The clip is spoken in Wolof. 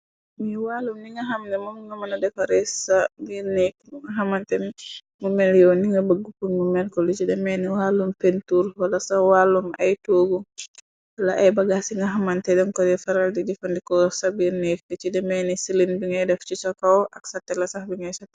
Lii wàllum li nga xamne moom nga mëna defare ca biir neeg, ba nga xamante mu mel yaw ni nga bëgg pur mu melko, li demeeni wàllum pentur, wala sa wàllum ay toogu, wala ay bagaas ci nga xamante den ko dey faral di jëfandikoo sa biir neeg, li ci de meeni silin bi ngay def ci sa kaw, ak sa tele sax bi ngay setan.